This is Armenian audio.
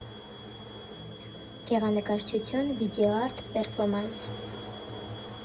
Գեղանկարչություն, վիդեոարտ, պերֆորմանս։